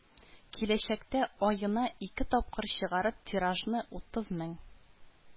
Киләчәктә аена ике тапкыр чыгарып, тиражны утыз мең